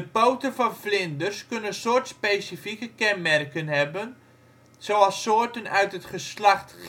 poten van vlinders kunnen soortspecifieke kenmerken hebben, zoals soorten uit het geslacht